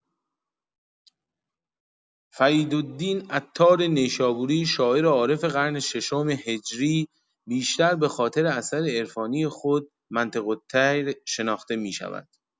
فریدالدین عطار نیشابوری، شاعر و عارف قرن ششم هجری، بیشتر به‌خاطر اثر عرفانی خود «منطق‌الطیر» شناخته می‌شود.